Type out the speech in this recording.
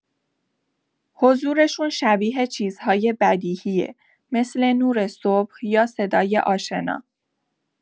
حضورشون شبیه چیزهای بدیهیه، مثل نور صبح یا صدای آشنا.